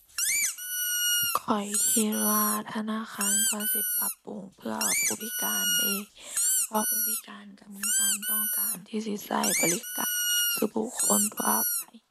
ข้อยคิดว่าธนาคารควรสิปรับปรุงเพื่อผู้พิการเดะ เพราะผู้พิการก็มีความต้องการที่สิก็บริการคือผู้คนทั่วไป